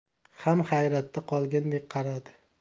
ham hayratda qolgandek qaradi